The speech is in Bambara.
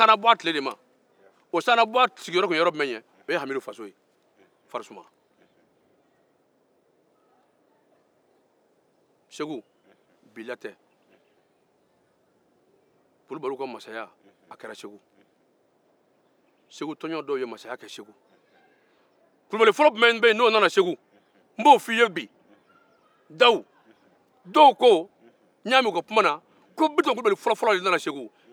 kulubaliw ka masaya kɛra segu tɔnjɔn dɔw ye masaya kɛ segu kulubali fɔlɔ jumɛn nana segu n b'o fi' ya bi dɔww ko bitɔn kulubali fɔlɔ nana segu taa fɔ u ye ko ne ko o tɛ tiɲɛ